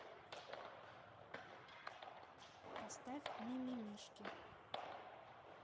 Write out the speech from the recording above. поставь мимимишки